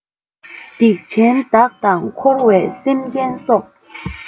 སྡིག ཆེན བདག དང འཁོར བའི སེམས ཅན སོགས